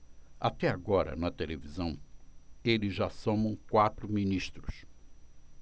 até agora na televisão eles já somam quatro ministros